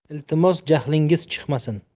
iltimos jahlingiz chiqmasin